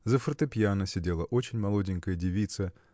За фортепиано сидела очень молоденькая девица